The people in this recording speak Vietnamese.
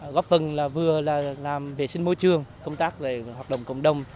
góp phần là vừa là làm vệ sinh môi trường công tác về hoạt động cộng đồng